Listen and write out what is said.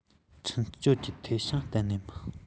ཁྱིམ སྤྱོད གི མཐིལ ཤིང གཏན ནས མིན